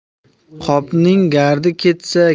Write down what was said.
qopning gardi ketsa